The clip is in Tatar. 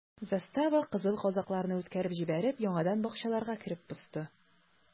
Застава, кызыл казакларны үткәреп җибәреп, яңадан бакчаларга кереп посты.